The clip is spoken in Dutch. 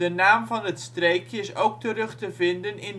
naam van het streekje is ook terug te vinden in